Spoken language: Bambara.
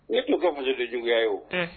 Ne ye tun ka muso de juguya ye o